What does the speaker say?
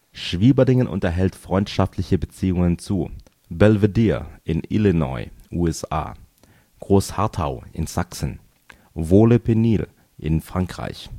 Schwieberdingen unterhält freundschaftliche Beziehungen zu: Belvidere in Illinois, USA Großharthau in Sachsen Vaux-le-Pénil in Frankreich